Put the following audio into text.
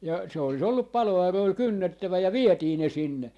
ja se olisi ollut paloauroilla kynnettävä ja vietiin ne sinne